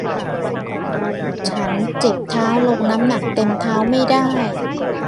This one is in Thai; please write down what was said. ฉันเจ็บเท้าลงน้ำหนักเต็มเท้าไม่ได้